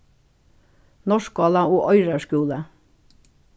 norðskála og oyrar skúli